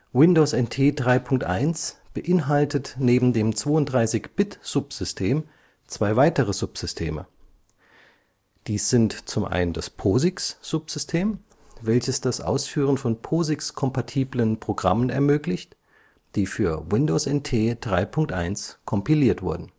Windows NT 3.1 beinhaltet neben dem 32-Bit-Subsystem zwei weitere Subsysteme. Dies sind zum einen das POSIX-Subsystem, welches das Ausführen von POSIX-kompatiblen Programmen ermöglicht, die für Windows NT 3.1 kompiliert wurden